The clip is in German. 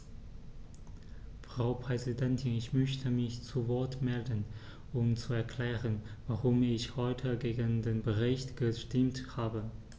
Frau Präsidentin, ich möchte mich zu Wort melden, um zu erklären, warum ich heute gegen den Bericht gestimmt habe.